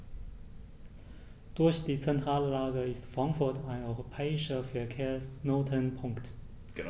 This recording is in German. Durch die zentrale Lage ist Frankfurt ein europäischer Verkehrsknotenpunkt.